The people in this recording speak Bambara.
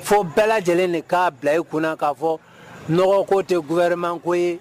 Fo bɛɛ lajɛlen de k'a bila i kunna k'a fɔ nɔgɔ ko tɛ gu wɛrɛmako ye